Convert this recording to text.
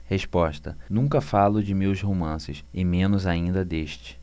resposta nunca falo de meus romances e menos ainda deste